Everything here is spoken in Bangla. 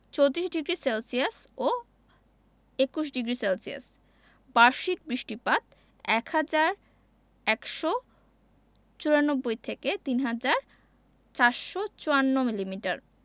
৩৪ডিগ্রি সেলসিয়াস ও ২১ডিগ্রি সেলসিয়াস বার্ষিক বৃষ্টিপাত ১হাজার ১৯৪ থেকে ৩হাজার ৪৫৪ মিলিমিটার